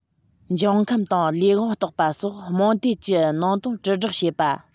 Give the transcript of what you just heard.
འབྱུང ཁམས དང ལས དབང བརྟག པ སོགས རྨོངས དད ཀྱི ནང དོན དྲིལ བསྒྲགས བྱེད པ